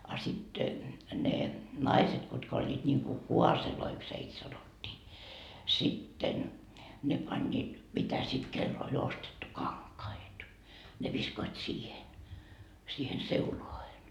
a sitten ne naiset kutka olivat niin kuin kaaseiksi heitä sanottiin sitten ne panivat mitä sitten kenellä oli ostettu kankaita ne viskoivat siihen siihen seulaan